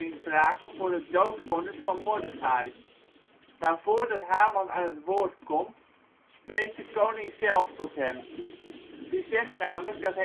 vragen voor het doodvonnis van Mordechai, maar voordat Haman aan het woord komt spreekt de koning zelf tot hem. Die zegt namelijk dat